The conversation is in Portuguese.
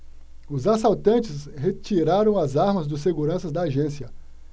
os assaltantes retiraram as armas dos seguranças da agência